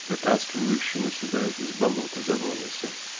вытаскивающему себя из болота за волосы.